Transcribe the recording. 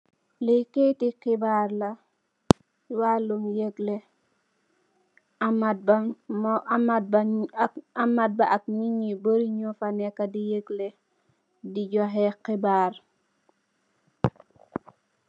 Li kayiti xibarr la, ci wallun yekleh Amat Bà ak nit ju barri ñofa nekka di yekleh, di joxéé xibarr.